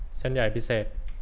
เส้นใหญ่พิเศษ